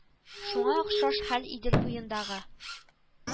Шуңа охшаш хәл Идел буендагы